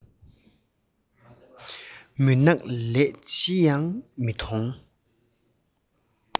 མུན ནག ལས ཅི ཡང མི མཐོང